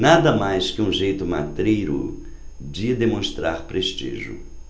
nada mais que um jeito matreiro de demonstrar prestígio